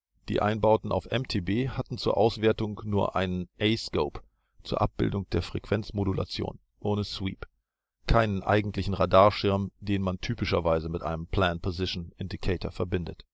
Die Einbauten auf MTB hatten zur Auswertung nur einen A-Scope zur Abbildung der Frequenzmodulation ohne Sweep, keinen eigentlichen Radarschirm, den man typischerweise mit einem PPI (Plan Position Indicator) verbindet